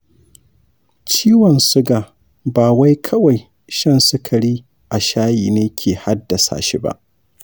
ciwon suga ba wai kawai shan sukari a shayi ne ke haddasa shi ba.